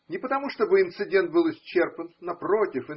) Не потому, чтобы инцидент был исчерпан: напротив.